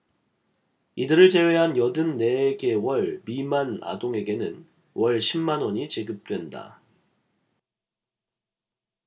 이들을 제외한 여든 네 개월 미만 아동에게는 월 십 만원이 지급된다